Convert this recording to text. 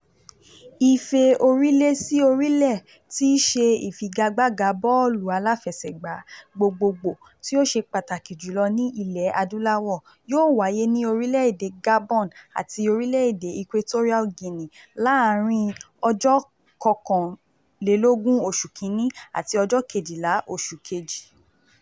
Ife Orílè-sí-orílẹ̀, tíí ṣe ìfigagbága bọọ́ọ̀lù aláfẹsẹ̀gbá gbogbogbò tí ó ṣe pàtàkì jùlọ ní Ilẹ̀ Adúláwò, yóò wáyé ní orílẹ̀ èdè Gabon àti orílẹ́ èdè Equatorial Guinea láàárín 21 Oṣù Kínní àti 12 Oṣù Kejì.